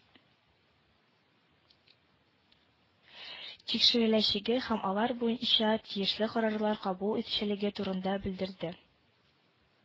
Тикшереләчәге һәм алар буенча тиешле карарлар кабул ителәчәге турында белдерде